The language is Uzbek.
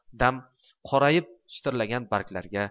dam qorayib shitirlagan barglarga